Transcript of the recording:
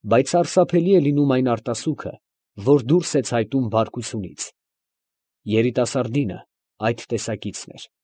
Բայց սարսափելի է լինում այն արտասուքը, որ դուրս է ցայտում բարկությունից, ֊ երիտասարդինը այդ տեսակիցն էր։